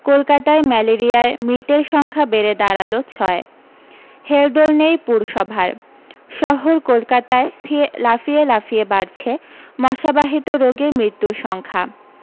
কলকাতায় ম্যালেরিয়ায় মৃতের সংখ্যা বেড়ে দাঁড়ালো ছয় হেলদোল নেই পুরসভার শহর কলকাতায় লাফিয়ে লাফিয়ে বাড়ছে মশাবাহিত রোগে মৃত্যুর সংখ্যা